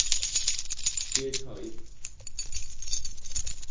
ger teig